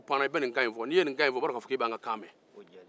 n'u panna i be nin kan in fɔ n'i ye nin kan in fɔ u b'a dɔn k'e b'an ka kan mɛn